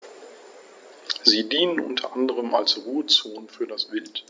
Sie dienen unter anderem als Ruhezonen für das Wild.